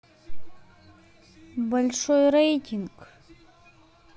большой рейтинг